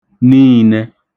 niīnẹ̄